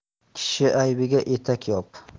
kishi aybiga etak yop